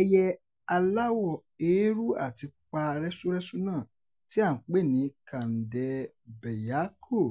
Ẹyẹ aláwọ̀ eérú-àti-pupa-rẹ́súrẹ́sú náà, tí à ń pè ní Kaande Bhyakur